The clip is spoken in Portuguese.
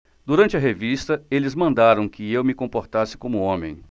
durante a revista eles mandaram que eu me comportasse como homem